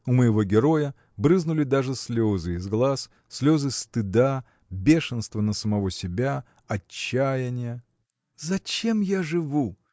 У моего героя брызнули даже слезы из глаз слезы стыда бешенства на самого себя отчаяния. Зачем я живу?